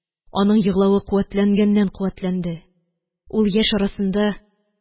Аның еглавы куәтләнгәннән-куәтләнде. Ул яшь арасында: